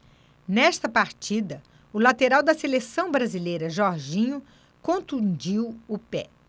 nesta partida o lateral da seleção brasileira jorginho contundiu o pé